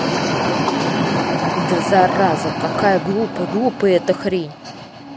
да зараза какая глупая глупая эта хрень